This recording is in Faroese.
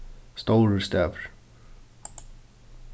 stórur stavur